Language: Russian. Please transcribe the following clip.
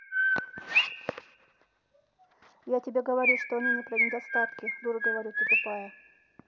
я тебе говорю что они не про недостатки дура говорю ты тупая